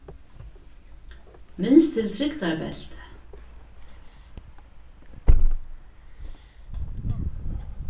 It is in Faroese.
minst til trygdarbeltið